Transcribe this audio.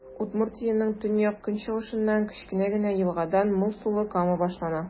Удмуртиянең төньяк-көнчыгышыннан, кечкенә генә елгадан, мул сулы Кама башлана.